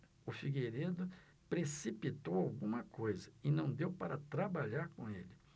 o figueiredo precipitou alguma coisa e não deu para trabalhar com ele